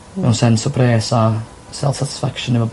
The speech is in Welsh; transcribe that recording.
Mewn sens o bres a self-satisfaction efo...